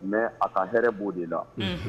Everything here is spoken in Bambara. Mɛ a ka hɛrɛ bɔ de la